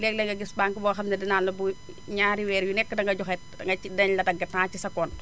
léeg-léeg nga gis banque boo xam ne danaan la bu ñaari weer yu nekk danga joxe danañ ci danañ la dagg tant ci sa compte